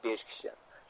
besh kishi